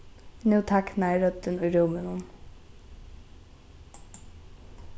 nú tagnar røddin í rúminum